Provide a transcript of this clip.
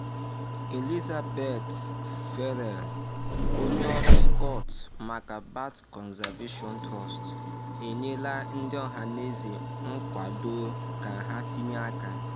Elisabeth Ferrell, onye ọrụ Scot maka Bat Conservation Trust, enyela ndị ọhaneze nkwado ka ha tinye aka.